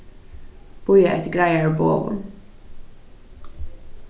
bíða eftir greiðari boðum